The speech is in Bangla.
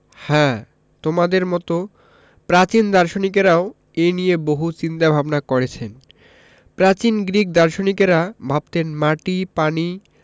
হ্যাঁ তোমাদের মতো প্রাচীন দার্শনিকেরাও এ নিয়ে বহু চিন্তা ভাবনা করেছেন প্রাচীন গ্রিক দার্শনিকেরা ভাবতেন মাটি পানি